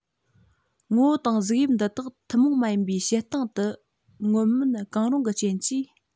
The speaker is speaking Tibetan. ངོ བོ དང གཟུགས དབྱིབས འདི དག ཐུན མོང མ ཡིན པའི བྱེད སྟངས དུ མངོན མིན གང རུང གི རྐྱེན གྱིས